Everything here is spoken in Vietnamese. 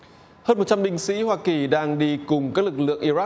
hơn một trăm binh sĩ hoa kỳ đang đi cùng các lực lượng i rắc